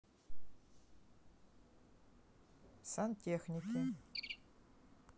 сантехники